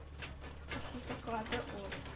Ассызыклады ул